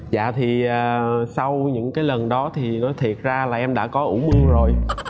dạ thì à sau những cái lần đó thì nói thiệt ra là em đã có ủ mưu rồi